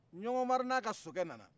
ɲɔngɔn mari n'a ka sokɛ nana